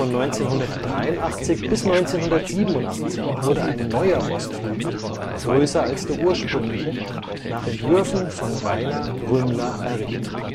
1983 bis 1987 wurde ein neuer Ostflügel, größer als der ursprüngliche, nach Entwürfen von Rainer G. Rümmler errichtet